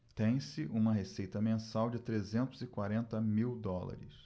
tem-se uma receita mensal de trezentos e quarenta mil dólares